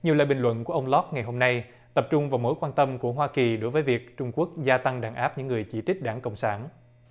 nhiều lời bình luận của ông loóc ngày hôm nay tập trung vào mối quan tâm của hoa kỳ đối với việc trung quốc gia tăng đàn áp những người chỉ trích đảng cộng sản